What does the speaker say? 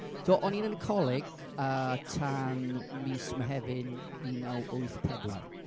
So, o'n i'n yn y coleg yy tan mis Mehefin un naw wyth pedwar.